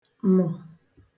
nụ̀